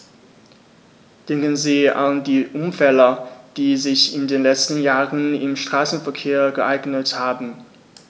Denken Sie an die Unfälle, die sich in den letzten Jahren im Straßenverkehr ereignet haben.